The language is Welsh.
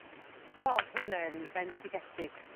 O'dd hwnne'n fendigedig.